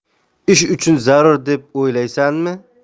ish uchun zarur deb o'ylaysanmi